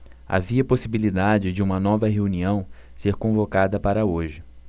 havia possibilidade de uma nova reunião ser convocada para hoje